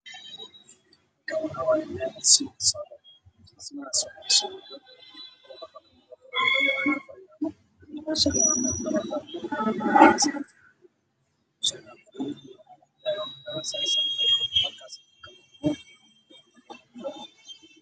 Waa guri dhismo ku socda alwaaxyo ayaa ka dambeeya